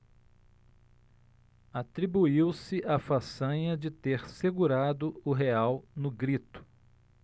atribuiu-se a façanha de ter segurado o real no grito